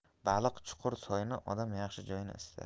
baliq chuqur soyni odam yaxshi joyni istar